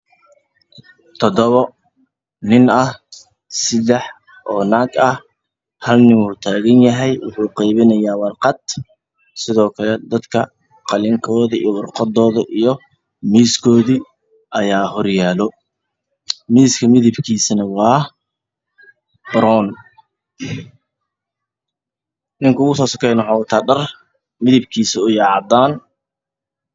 toddobo oo nin ah siddax oo naag ah.hal nin wuu taagan yahay wuxuu qeybinayaa warqad sidoo kale dadka qallinkooda iyo warqadooda iyo miiskoodii ayaa hor yaala miiska midabkiisana waa baroon ninka igu Soo suteyana wuxuu wataa dhar uu midabkiisa uu yahay cadaan.